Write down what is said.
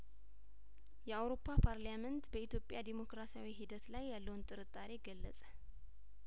የአውሮፓ ፓር ሊያሜንት በኢትዮጵያ ዲሞክራሲያዊ ሂደት ላይያለውን ጥርጣሬ ገለጸ